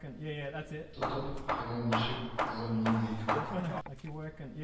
Тотып, хәлең ничек, кызым, нинди